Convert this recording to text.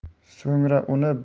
so'ngra uni